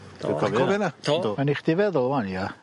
Do. Dwi'n cofio wnna. Ti'n cofio 'na? Yndw. Ma' neu' chdi feddwl 'wan ia?